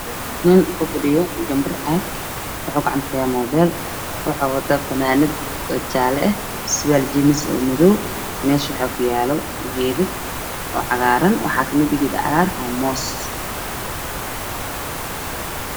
Waa wiil wata fanaanad jaalle ah surwaal madow magaalada gacanta ku heysto meel fadhiya moos ayaa ka baxay golahiisa